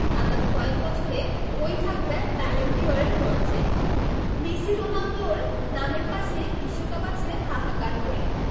আগামী কয়েক বছরে ও ই থাকবে ব্যালন ডি অরের মঞ্চে মেসি রোনালদোর নামের পাশে বিশ্বকাপ আছে হাহাকার হয়ে